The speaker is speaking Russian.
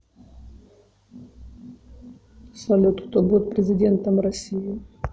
салют кто будет президентом россии